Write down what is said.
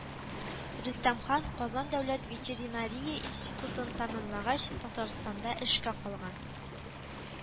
Рөстәмхан, Казан дәүләт ветеринария институтын тәмамлагач, Татарстанда эшкә калган